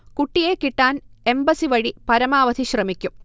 കുട്ടിയെ കിട്ടാൻ എംബസി വഴി പരമാവധി ശ്രമിക്കും